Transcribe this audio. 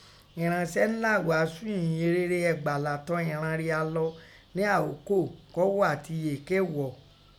Ìnránsẹ́ ńlá ghíghàásù ìyìnrere ẹ̀gbala tọ ìnran ria lọ né àókò kọ́ ghọ̀ ati yèé ké ghọ̀.